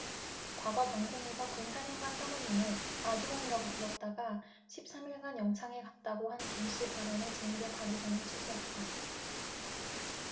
과거 방송에서 군사령관 사모님을 아주머니라고 불렀다가 십 삼 일 간 영창에 갔다고 한 김씨 발언의 진위를 가리자는 취지였다